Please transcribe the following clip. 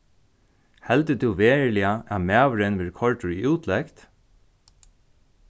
heldur tú veruliga at maðurin verður koyrdur í útlegd